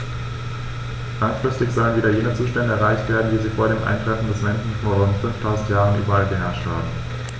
Langfristig sollen wieder jene Zustände erreicht werden, wie sie vor dem Eintreffen des Menschen vor rund 5000 Jahren überall geherrscht haben.